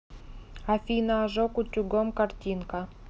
афина ожог утюгом картинки